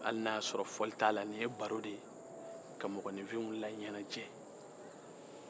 hali n'a y'a sɔrɔ fɔli t'a la nin ye baro de ye ka mɔgɔninfinw laɲɛnajɛ